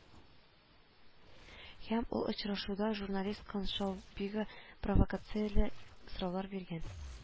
Һәм ул очрашуда журналист Каншаубига провокацияле сораулар биргән